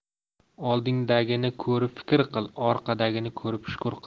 oldingdagini ko'rib fikr qil orqadagini ko'rib shukur qil